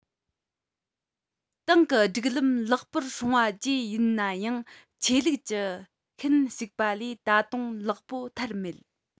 ཏང གི སྒྲིག ལམ ལེགས པར སྲུང བ བཅས ཡིན ནའང ཆོས ལུགས ཀྱི ཤན ཞུགས པ ལས ད དུང ལེགས པོ ཐར མེད